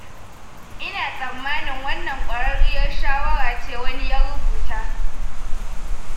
"Ina tsammanin wannan kwararriyar shawara ce,” wani ya rubuta.